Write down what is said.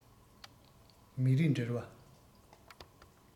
མི རིགས འབྲེལ བ